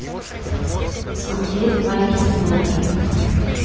смотреть байки с мэтром